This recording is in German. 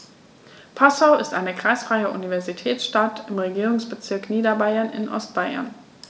Passau ist eine kreisfreie Universitätsstadt im Regierungsbezirk Niederbayern in Ostbayern.